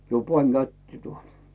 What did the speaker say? jo panin käteen tuota